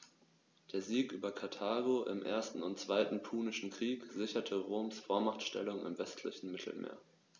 Der Sieg über Karthago im 1. und 2. Punischen Krieg sicherte Roms Vormachtstellung im westlichen Mittelmeer.